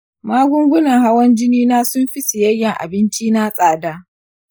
magungunan hawan jini na sunfi siyayyan abinci na tsada.